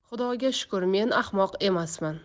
xudoga shukur men ahmoq emasman